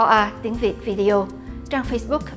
a tiếng việt video trang phây búc